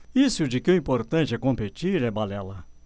isso de que o importante é competir é balela